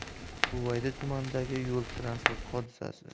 buvayda tumanidagi yo'l transport hodisasi